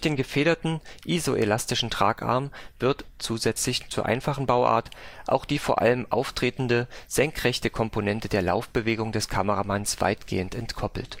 den gefederten, isoelastischen Tragarm wird – zusätzlich zur einfachen Bauart – auch die vor allem auftretende senkrechte Komponente der Laufbewegung des Kameramanns weitgehend entkoppelt.